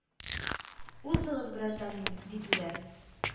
— узыгыз, гражданин, — диделәр.